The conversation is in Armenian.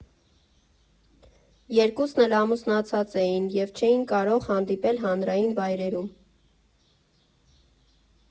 Երկուսն էլ ամուսնացած էին և չէին կարող հանդիպել հանրային վայրերում։